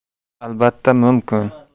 albatta mumkin